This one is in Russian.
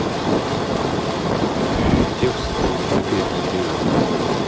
текст на песню ближе